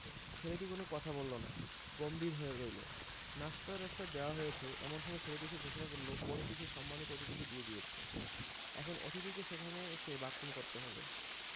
ছেলেটি কোন কথা বলল না গম্ভীর হয়ে রইল নশিতাটাসতা দেয়া হয়েছে এমন সময় ছেলেটি এসে ঘোষণা করল পটিটি সে সম্মানিত অতিথিকে দিয়ে দিয়েছে এখন অতিথিকে সেখানে বসে বাথরুম করতে হবে